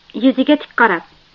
yuziga tik qarab